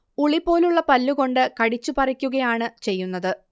ഉളി പോലുള്ള പല്ലു കൊണ്ട് കടിച്ചു പറിക്കുകയാണ് ചെയ്യുന്നത്